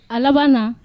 A laban